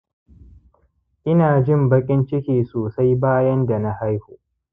ina jin bakin ciki sosai bayan dana haihu